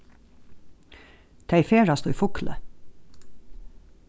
tey ferðast í fugloy